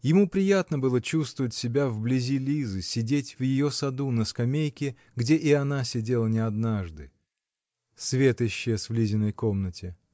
ему приятно было чувствовать себя вблизи Лизы, сидеть в ее саду на скамейке, где и она сидела не однажды. Свет исчез в Лизиной комнате.